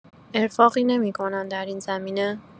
ارفاقی نمی‌کنن در این زمینه؟